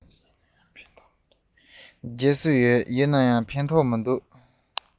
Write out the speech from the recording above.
རྒྱག དང རྒྱག གི ཡོད ཡིན ནའི ངའི སློབ གསོས ཕན ཐོགས ཀྱི མི འདུག